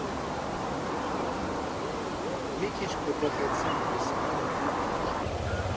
Մի քիչ փոփոխեցինք տեսարանը ու վերջ։